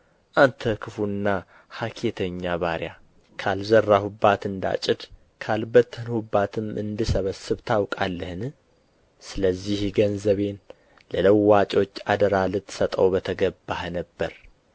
አንተ ክፉና ሃኬተኛ ባሪያ ካልዘራሁባት እንዳጭድ ካልበተንሁባትም እንድሰበስብ ታውቃለህን ስለዚህ ገንዘቤን ለለዋጮች አደራ ልትሰጠው በተገባህ ነበር